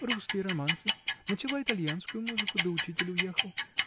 — Русские романсы; начала италиянскую музыку, да учитель уехал.